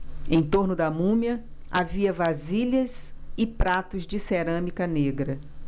em torno da múmia havia vasilhas e pratos de cerâmica negra